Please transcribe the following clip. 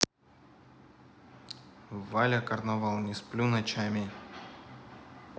валя карнавал не сплю ночами